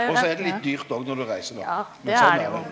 og så er det litt dyrt òg når du reiser då, men sånn er det.